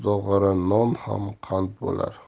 zog'ora non ham qand bo'lar